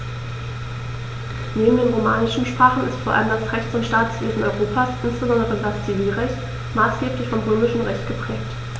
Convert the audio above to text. Neben den romanischen Sprachen ist vor allem das Rechts- und Staatswesen Europas, insbesondere das Zivilrecht, maßgeblich vom Römischen Recht geprägt.